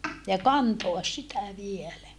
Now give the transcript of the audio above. ja kantaa sitä vielä